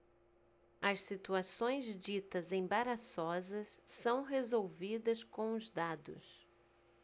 as situações ditas embaraçosas são resolvidas com os dados